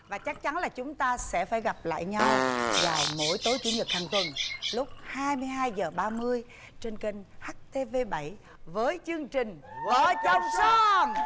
và chắc chắn là chúng ta sẽ phải gặp lại nhau vào mỗi tối chủ nhật hàng tuần lúc hai mươi hai giờ ba mươi trên kênh hắt tê vê bảy với chương trình vợ chồng son